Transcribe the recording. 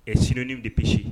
est synonyme de péché